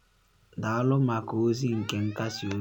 Daalụ maka ozi nke nkasị obi!”